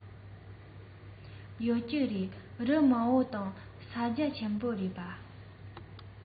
ཡོད ཀྱི རེད རི མང པོ དང ས རྒྱ ཆེན པོ རེད པ